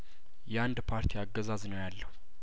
ያንድ ፓርቲ አገዛዝ ነው ያለው